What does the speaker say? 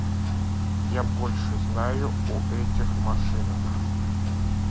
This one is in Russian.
я больше знаю о этих машинах